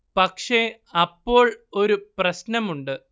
പക്ഷെ അപ്പോൾ ഒരു പ്രശ്നമുണ്ട്